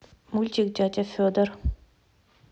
мультик дядя федор